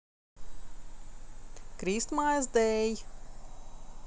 christmas day